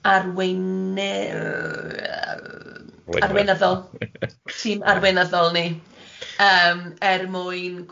Arweine- yyy arweinyddol, tîm arweinyddol ni yym er mwyn